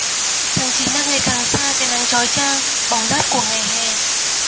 tháng chín đang ngày càng xa cái nắng chói chang bỏng rát của ngày hè